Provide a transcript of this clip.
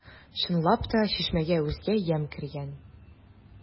Чынлап та, чишмәгә үзгә ямь кергән.